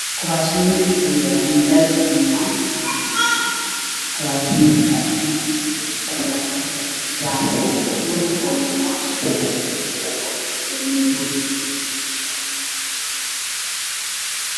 Kuraasmiin yaaliin meel banaan ah kuraasmiinta midabkiisa waa jaalle mad madow dhulkana mad madow.